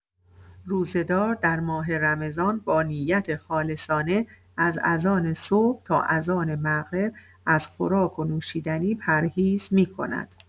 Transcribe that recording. روزه‌دار در ماه رمضان با نیت خالصانه، از اذان صبح تا اذان مغرب از خوراک و نوشیدنی پرهیز می‌کند.